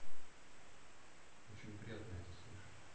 очень приятно это слышать